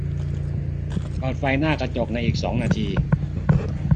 เปิดไฟหน้ากระจกในอีกสองนาที